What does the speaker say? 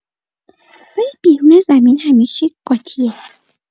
ولی بیرون زمین همه چی قاطیه.